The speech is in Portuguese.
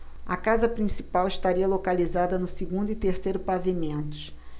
a casa principal estaria localizada no segundo e terceiro pavimentos